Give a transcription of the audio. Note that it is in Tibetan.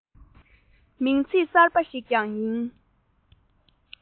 མིང ཚིག གསར པ ཞིག ཀྱང ཡིན